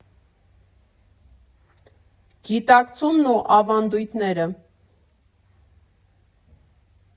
Գիտակցումն ու ավանդույթները։